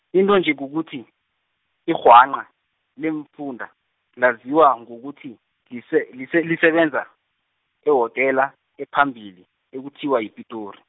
into nje kukuthi, irhwanqa leemfunda laziwa ngokuthi lise- lise- lisebenza, ehotela ephambili ekuthiwa yiPitori.